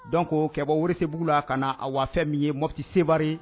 Dɔn ko kɛ bɔ wari se b' la kana a waafɛn min ye moti sebanri